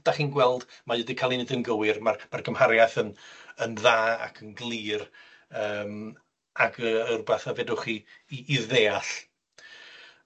'dach chi'n gweld mae 'di ca'l 'i neud yn gywir, ma'r ma'r gymhariaeth yn yn dda ac yn glir, yym ac yy yn rwbath a fedrwch chi 'i 'i ddeall.